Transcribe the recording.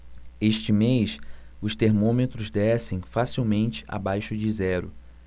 este mês os termômetros descem facilmente abaixo de zero